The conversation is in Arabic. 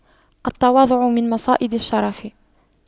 التواضع من مصائد الشرف